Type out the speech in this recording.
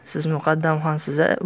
siz muqaddamxon siz a